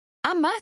Ama